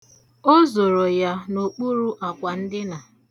O zoro ya n'okpuru akwa ndina.